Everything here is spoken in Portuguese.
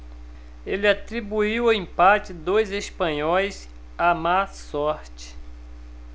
ele atribuiu o empate dos espanhóis à má sorte